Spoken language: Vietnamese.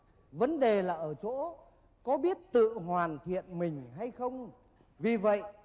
vấn đề là ở chỗ có biết tự hoàn thiện mình hay không vì vậy